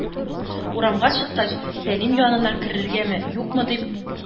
Урамга чыккач, Сәлим янына керергәме-юкмы дип,